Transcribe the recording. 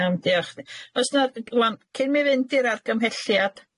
Iawn, diolch chdi. Oes 'na- r- rŵan, cyn mi fynd i'r argymhelliad,